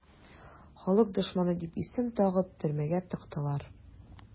"халык дошманы" дип исем тагып төрмәгә тыктылар.